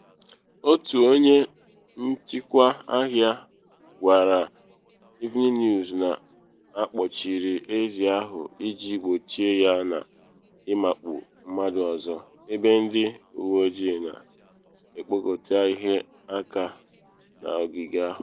Otu onye nchịkwa ahịa gwara Evening News na akpọchiri ezi ahụ iji gbochie ya na ịmakpu mmadụ ọzọ, ebe ndị uwe ojii na ekpokọta ihe aka n’ogige ahụ.